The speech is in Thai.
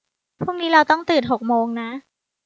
พรุ่งนี้เราต้องตื่นหกโมงนะ